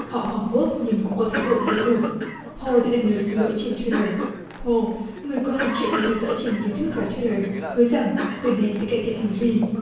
họ hoảng hốt nhưng cũng có thái độ đùa cợt hô đã dành lời xin lỗi trên thuýt tờ hô người có hàng triệu người theo dõi trên iu túp và thuýt tờ hứa rằng từ nay sẽ cải thiện hành vi